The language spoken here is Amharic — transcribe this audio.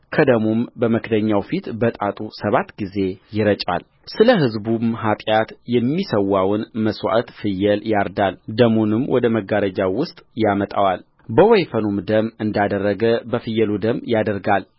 ከደሙም በመክደኛው ፊት በጣቱ ሰባት ጊዜ ይረጫልስለ ሕዝቡም ኃጢአት የሚሠዋውን መሥዋዕት ፍየል ያርዳል ደሙም ወደ መጋረጃው ውስጥ ያመጣዋል በወይፈኑም ደም እንዳደረገ በፍየሉ ደም ያደርጋል